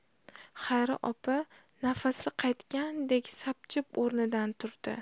xayri opa nafasi qaytgandek sapchib o'rnidan turdi